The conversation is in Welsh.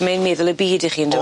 Mae'n meddwl y byd i chi on'd yw e?